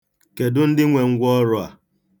Kedụ ndị nwe ngwaọrụ a?